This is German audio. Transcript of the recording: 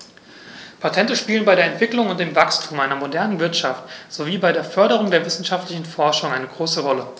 Patente spielen bei der Entwicklung und dem Wachstum einer modernen Wirtschaft sowie bei der Förderung der wissenschaftlichen Forschung eine große Rolle.